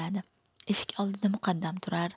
eshik oldida muqaddam turar